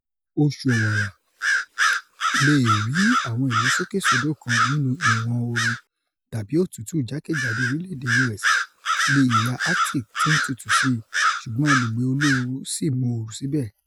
Oṣù Ọ̀wàrà leè rí àwọn ìlọsókè-sódò kan nínú ìwọn ooru tàbi otútú jákè-jádò orílẹ̀-èdè U.S. bí ìhà Arctic tí ń tutù síi, ṣùgbọ́n agbègbè olóoru sì m'óoru síbẹ̀.